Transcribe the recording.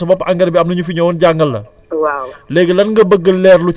lan nga ne lan nga ne yaay defaral sa bopp engrais bi am na ñu fi ñëwoon jàngal la